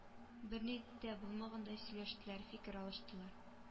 Берни дә булмагандай сөйләштеләр фикер алыштылар